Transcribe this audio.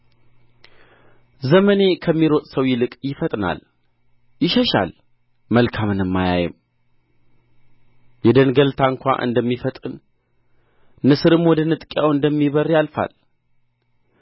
ዘመኔ ከሚሮጥ ሰው ይልቅ ይፈጥናል ይሸሻል መልካምንም አያይም የደንገል ታንኳ እንደሚፈጥን ንስርም ወደ ንጥቂያው እንደሚበርር ያልፋል